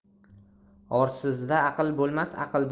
orsizda aql bo'lmas aql